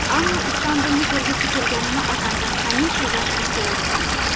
ammo istambulni ko'rgisi kelganini otamdan hamisha yashirib kelar ekan